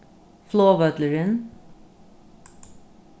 flogvøllurin